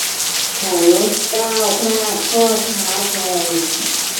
ฉันก้าวพลาดข้อเท้าแพลง